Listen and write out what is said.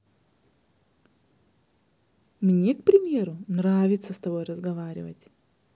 мне к примеру нравится с тобой разговаривать